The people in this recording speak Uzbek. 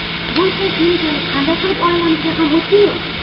bu ism keyinchalik qanday qilib oilamizga ham o'tdi yu